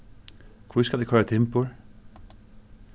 hví skal eg koyra timbur